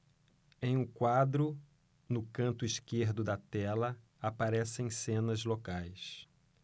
em um quadro no canto esquerdo da tela aparecem cenas locais